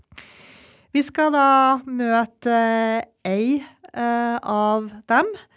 vi skal da møte ei av dem.